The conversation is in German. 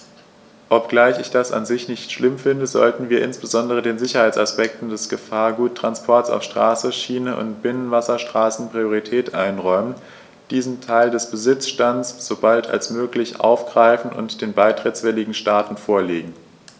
Obgleich ich das an sich nicht schlimm finde, sollten wir insbesondere den Sicherheitsaspekten des Gefahrguttransports auf Straße, Schiene und Binnenwasserstraßen Priorität einräumen, diesen Teil des Besitzstands so bald als möglich aufgreifen und den beitrittswilligen Staaten vorlegen.